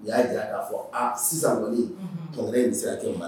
I y'a jira k'a fɔ aa sisan cɛnkɛ in sira cogo ma